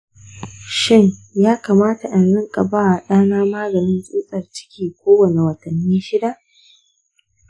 shin ya kamata in riƙa ba wa ɗa na maganin tsutsar ciki ko wani watanni shida?